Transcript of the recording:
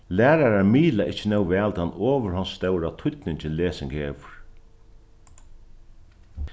lærarar miðla ikki nóg væl tann ovurhonds stóra týdningin lesing hevur